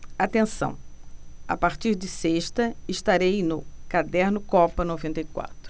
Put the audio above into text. atenção a partir de sexta estarei no caderno copa noventa e quatro